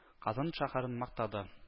Казан шәһәрен мактады